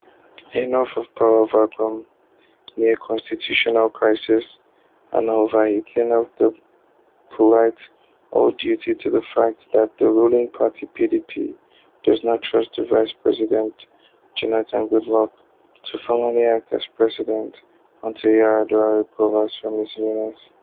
Enough of power vacuum, near constitutional crisis, and over heating of the polity all due to the fact that the ruling party (PDP) does not trust the Vice President (Jonathan Goodluck) to formally act as President until President Yar’Adua recovers from his illness.